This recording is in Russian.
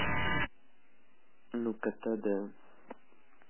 ну кота да